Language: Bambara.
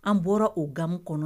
An bɔra o gami kɔnɔ